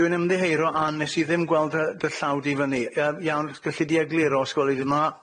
Dwi'n ymddiheuro, a nes i ddim gweld dy dy llaw di fyny. Yym iawn, galli di egluro os gweli di'n dda?